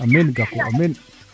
amiin Gakou amiin